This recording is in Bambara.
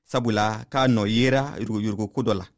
sabula k'a nɔ yera yuruguyuruguko dɔ la